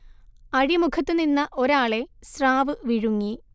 അഴിമുഖത്ത് നിന്ന ഒരാളെ സ്രാവ് വിഴുങ്ങി